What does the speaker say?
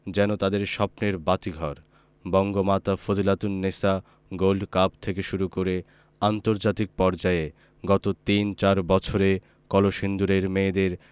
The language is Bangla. যেন তাদের স্বপ্নের বাতিঘর বঙ্গমাতা ফজিলাতুন্নেছা গোল্ড কাপ থেকে শুরু করে আন্তর্জাতিক পর্যায়ে গত তিন চার বছরে কলসিন্দুরের মেয়েদের